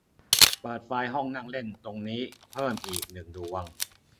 เปิดไฟห้องนั่งเล่นตรงนี้เพิ่มอีกหนึ่งดวง